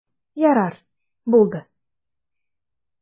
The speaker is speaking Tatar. Ярар, булды.